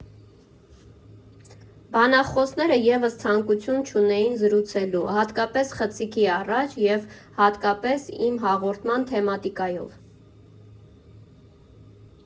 Բանախոսները ևս ցանկություն չունեին զրուցելու, հատկապես խցիկի առաջ և հատկապես իմ հաղորդման թեմատիկայով։